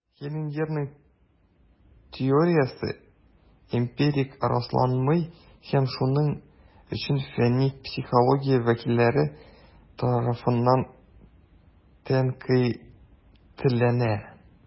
Хеллингерның теориясе эмпирик расланмый, һәм шуның өчен фәнни психология вәкилләре тарафыннан тәнкыйтьләнә.